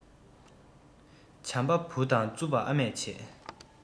འཇམ པ བུ དང རྩུབ པ ཨ མས བྱེད